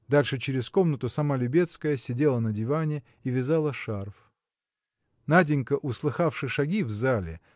Дальше через комнату сама Любецкая сидела на диване и вязала шарф. Наденька услыхавши шаги в зале